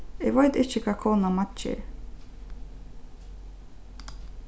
eg veit ikki hvat konan matger